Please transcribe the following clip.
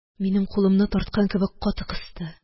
Минем кулымны тарткан кебек каты кысты.